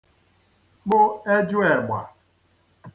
kpụ ejụēgbà